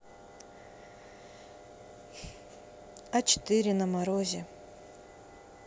а четыре на морозе